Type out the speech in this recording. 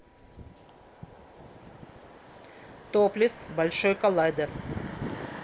топлесс большой коллайдер